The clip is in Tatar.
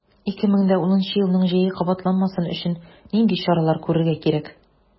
2010 елның җәе кабатланмасын өчен нинди чаралар күрергә кирәк?